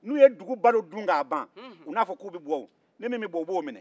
n'u ye dugu balo dun k'a ban u n'a fɔ k'u bɛ bɔ wo ni min bɛ bɔ u b'o minɛ